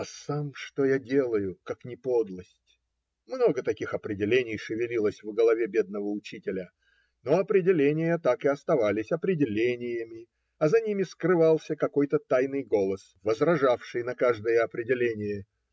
- А сам что я делаю, как не подлость?" Много таких определений шевелилось в голове бедного учителя, но определения так и остались определениями, а за ними скрывался какой-то тайный голос, возражавший на каждое определение